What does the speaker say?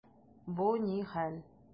Бу ни хәл!